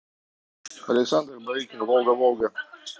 александр барыкин волга волга